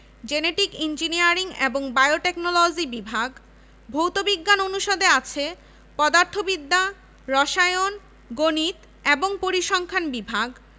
genetic engineering এবং biotechnology বিভাগ ভৌত বিজ্ঞান অনুষদে আছে পদার্থবিদ্যা রসায়ন গণিত এবং পরিসংখ্যান বিভাগ